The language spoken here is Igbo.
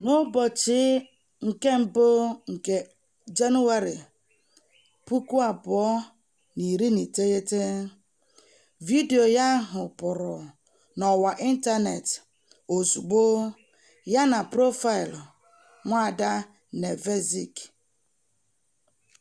N'ụbọchị ndị nke mbụ nke Jenụwarị 2019, vidiyo ahụ pụrụ n'ọwa ịntaneetị ozugbo yana profaịlụ Nwaada Knežević.